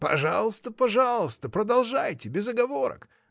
— Пожалуйста, пожалуйста, продолжайте, без оговорок!